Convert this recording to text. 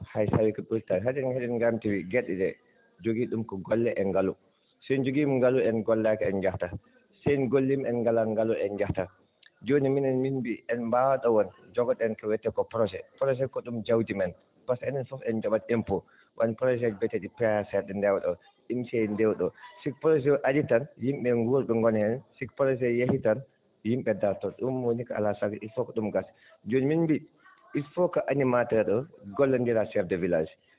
hay so tawii ko * heɗen heɗen ngaamtiri geɗe ɗee jogii ɗum ko golle e ngalu so en njogiima ngalu en gollaaki en jahata so en golliima en ngalaa ngalu en jahataa jooni minen min mbiyi en mbaawa ɗo waɗde njogoɗen ko wiyetee koo projet projet ko ɗum jawdi men par ce que enen fof en njoɓat impôt ko wayi no projet mbiyetee ɗi PAC ɗi ndewa ɗo UNICE ɗi ndewaɗo so projet o ari tan yimɓe ɓe nguura ɓe ngona heen so projet o yehii tan yimɓe ndartoo ɗum woni ko alaa sabi il faut ko ɗum gasa jooni min mbiyi il faut animateur o gollonndira chef de village